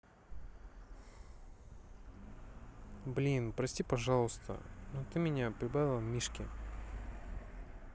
блин прости пожалуйста но ты меня прибавила мишки